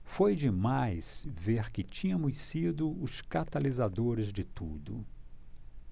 foi demais ver que tínhamos sido os catalisadores de tudo